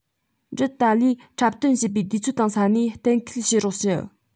འབྲེལ ཏཱ ལས འཁྲབ སྟོན བྱེད པའི དུས ཚོད དང ས གནས གཏན འཁེལ བྱེད རོགས ཞུས